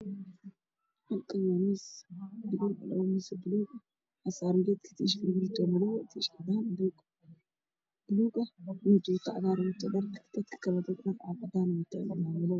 Waa niman odayaal oo meel la isugu imaaday waxaa la joogo nin askari oo tuuta wataWaa niman odayaal oo meel la isugu imaaday waxaa la joogo nin askari oo tuuta wata